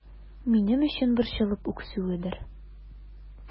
Минем өчен борчылып үксүедер...